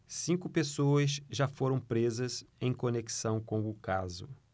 cinco pessoas já foram presas em conexão com o caso